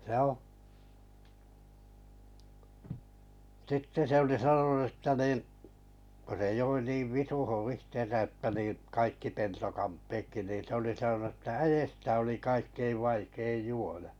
se on sitten se oli sanonut että niin kun se joi niin visuun itsensä että niin kaikki peltokamppeetkin niin se oli sanonut että äestä oli kaikkein vaikein juoda